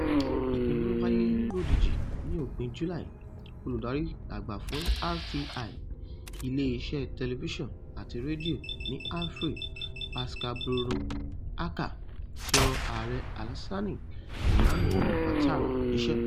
Ìpinnu náà wáyé lójijì ní òpin July: Olùdarí àgbà fún RTI (iléeṣẹ́ Tẹlifísàn àti Rédíò ní Ivory), Pascal Brou Aka yọ Aàrẹ Alassane Dramane Ouattara níṣẹ́.